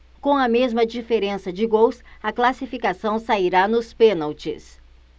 com a mesma diferença de gols a classificação sairá nos pênaltis